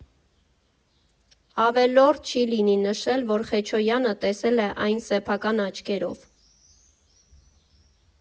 Ավելորդ չի լինի նշել, որ Խեչոյանը տեսել է այն սեփական աչքերով։